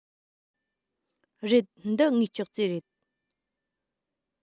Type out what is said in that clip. རེད འདི ངའི ཅོག ཙེ རེད